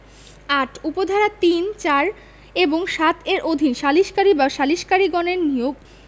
৮ উপ ধারা ৩ ৪ এবং ৭ এর অধীন সালিসকারী বা সালিসকারীগণের নিয়োগ